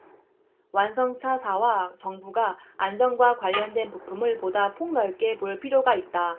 완성차사와 정부가 안전과 관련된 부품을 보다 폭 넓게 볼 필요가 있다